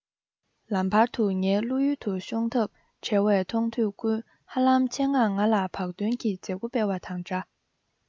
ལམ བར དུ ངའི བློ ཡུལ དུ ཤོང ཐབས བྲལ བའི མཐོང ཐོས ཀུན ཧ ལམ ཆེད མངགས ང ལ བག སྟོན གྱི མཛད སྒོ སྤེལ བ དང འདྲ